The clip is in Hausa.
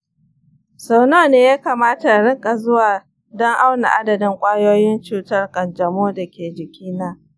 sau nawa ne ya kamata in rika zuwa don auna adadin kwayoyin cutar kanjamau da ke jikina?